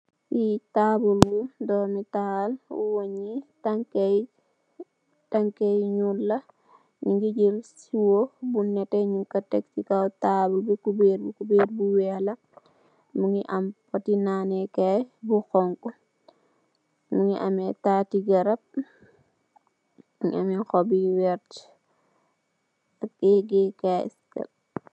Lii taabul bu dormi taal, bu weungh njii tankah yii, tanka yu njull la, njungy jel siyoh bu nehteh njung kor tek cii kaw taabul bii couberre bii, couberre bu wekh la, mungy am poti naaneh kaii bu honhu, njungy ameh taati garab, mungy ameh hohb yu vert, ak ehhgeh kaii sep.